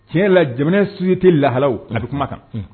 Tiɲɛ la jamana suye tɛ lahalaw ani bɛ kuma kan